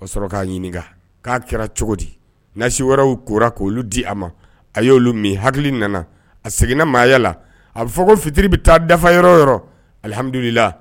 O sɔrɔ k'a ɲininka k'a kɛra cogo di nasi wɛrɛw kora k'o oluolu di a ma a y' oluolu min hakili nana a seginnana maaya la a bɛ fɔ ko fitiri bɛ taa dafa yɔrɔ yɔrɔ alihamdulila